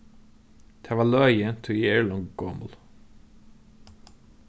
tað var løgið tí eg eri longu gomul